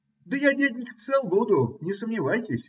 Да я, дяденька, цел буду, не сомневайтесь,